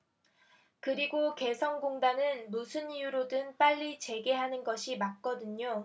그리고 개성공단은 무슨 이유로든 빨리 재개하는 것이 맞거든요